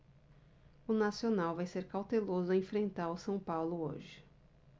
o nacional vai ser cauteloso ao enfrentar o são paulo hoje